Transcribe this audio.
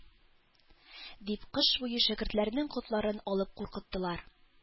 Дип кыш буе шәкертләрнең котларын алып куркыттылар.